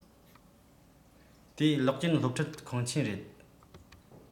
དེ གློག ཅན སློབ ཁྲིད ཁང ཆེན རེད